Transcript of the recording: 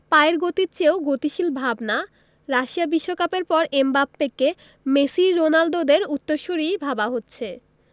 পায়ের গতির চেয়েও গতিশীল ভাবনা রাশিয়া বিশ্বকাপের পর এমবাপ্পেকে মেসি রোনালদোদের উত্তরসূরিই ভাবা হচ্ছে